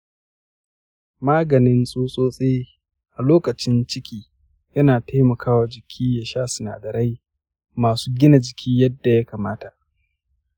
maganin tsutsotsi a lokacin ciki yana taimakawa jiki ya sha sinadarai masu gina jiki yadda ya kamata.